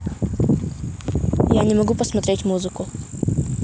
я не могу посмотреть музыку